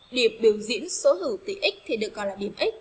biểu diễn số hữu tỉ x được gọi là điểm f